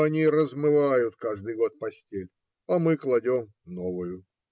Они размывают каждый год постель, а мы кладем новую.